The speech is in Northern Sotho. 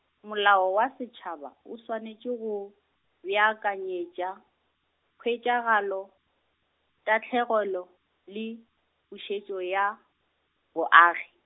molao wa setšhaba o swanetše go, beakanyetša, khwetšagalo, tahlegelo, le pušetšo ya, boagi.